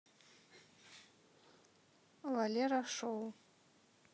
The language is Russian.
валера шоу